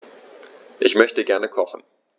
Ich möchte gerne kochen.